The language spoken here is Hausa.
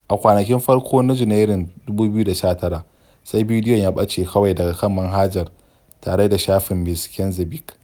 A kwanakin farko na Janairun 2019, sai bidiyon ya ɓace kawai daga kan manhajar tare da shafin Ms. Knezeɓic.